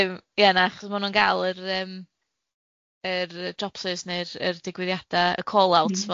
yym ia na 'chos ma' nw'n gal yr yym yr jobsus ne'r y digwyddiada, y cal-owts.